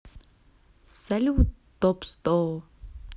салют топ сто